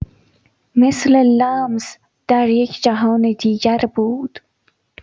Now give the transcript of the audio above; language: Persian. مثل لمس در یک جهان دیگر بود.